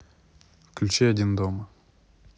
включи один дома